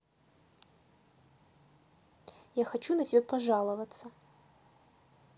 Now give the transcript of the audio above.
я хочу на тебя пожаловаться